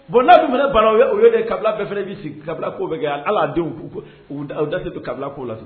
Bon n'a dun fana banna, o ye problème ye, kabila bɛɛ fana b'i sigi kabila kow bɛɛ kan, hal'a denw, u da tɛ don kabila kow la.